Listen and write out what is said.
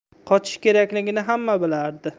qochish kerakligini hamma bilardi